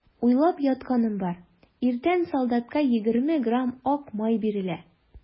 Уйлап ятканым бар: иртән солдатка егерме грамм ак май бирелә.